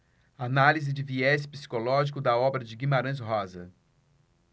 análise de viés psicológico da obra de guimarães rosa